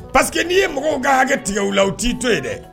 Parce que n'i ye mɔgɔw ka hakɛ tigɛw la o t'i to yen dɛ